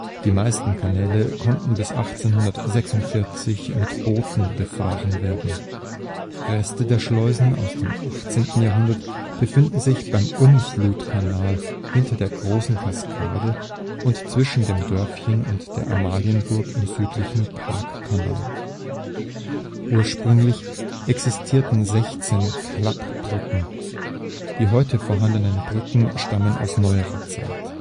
Die meisten Kanäle konnten bis 1846 mit Booten befahren werden. Reste der Schleusen aus dem 18. Jahrhundert befinden sich beim Umflutkanal hinter der Großen Kaskade und zwischen dem Dörfchen und der Amalienburg im südlichen Parkkanal. Ursprünglich existierten sechzehn Klappbrücken. Die heute vorhandenen Brücken stammen aus neuerer Zeit